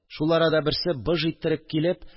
Шул арада берсе, быж иттереп килеп